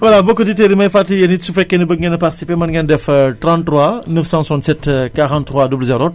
voilà mbokki auditeur yi may fàttali yéen it su fekkee ne bëgg ngeen a participé mën ngeen def 33 967 43 00